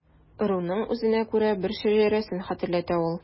Ыруның үзенә күрә бер шәҗәрәсен хәтерләтә ул.